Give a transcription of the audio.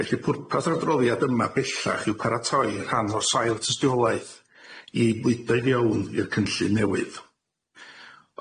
Felly pwrpas yr adroddiad yma bellach yw paratoi rhan o'r sail tystiolaeth i bwydo i feown i'r cynllun newydd.